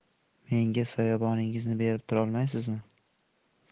menga soyaboningizni berib turolmaysizmi